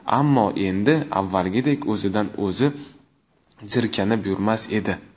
ammo endi avvalgidek o'zidan o'zi jirkanib yurmas edi